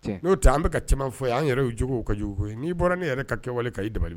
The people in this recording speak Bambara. N'o an bɛka ka cɛman fɔ an yɛrɛ o cogo ka jugu n'i bɔra ne yɛrɛ ka kɛ wale ka i dabali